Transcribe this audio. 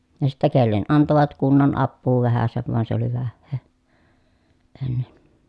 ja sitten kenelle antoivat kunnan apua vähäsen vaan se oli vähää ennen